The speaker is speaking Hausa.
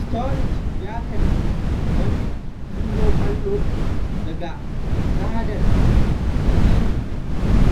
Sturridge ya karɓi wani turo ƙwallo daga Xherdan Shaqiri